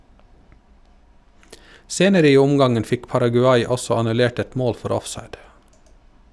Senere i omgangen fikk Paraguay også annullert et mål for offside.